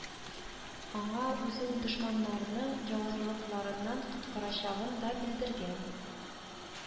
Аңа үзен дошманнарның явызлыкларыннан коткарачагын да белдергән